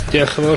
Diolch yn fowr...